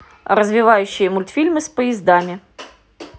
развивающие мультфильмы с поездами